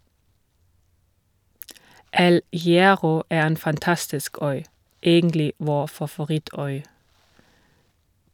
El Hierro er en fantastisk øy (egentlig vår favorittøy!).